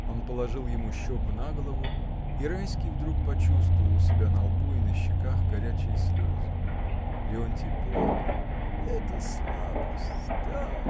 Он положил ему щеку на голову, и Райский вдруг почувствовал у себя на лбу и на щеках горячие слезы. Леонтий плакал. — Это слабость, да.